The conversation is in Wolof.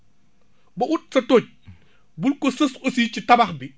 ba ut sa tóoj bul ko sës aussi ci tabax bi